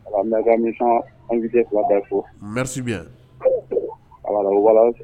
Ami an fila fo a